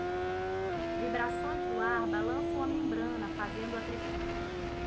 vibrações do ar balançam a membrana fazendo-a trepidar